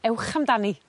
ewch amdani.